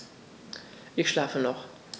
Ich schlafe noch.